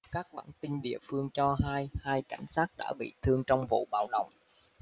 các bản tin địa phương cho hay hai cảnh sát đã bị thương trong vụ bạo động